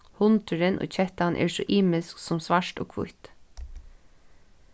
hundurin og kettan eru so ymisk sum svart og hvítt